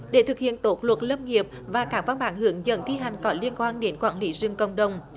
để thực hiện tốt luật lâm nghiệp và các văn bản hướng dẫn thi hành có liên quan đến quản lý rừng cộng đồng